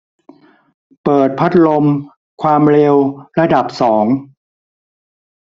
เปิดพัดลมความเร็วระดับสอง